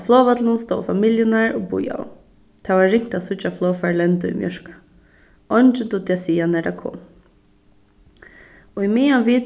á flogvøllinum stóðu familjurnar og bíðaðu tað var ringt at síggja flogfarið lenda í mjørka eingin dugdi at siga nær tað kom og ímeðan vit